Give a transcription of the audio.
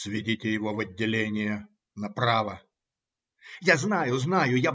- Сведите его в отделение. Направо. - Я знаю, знаю.